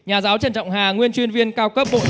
nhà giáo trần trọng hà nguyên chuyên viên cao cấp bộ